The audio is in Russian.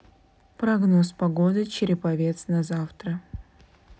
прогноз погоды череповец на завтра